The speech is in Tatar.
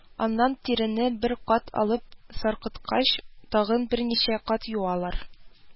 Аннан тирене бер кат алып саркыткач, тагын берничә кат юалар